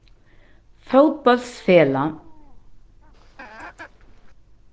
fótbóltsfelag